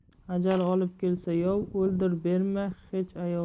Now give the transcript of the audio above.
ajal olib kelsa yov o'ldir berma hech ayov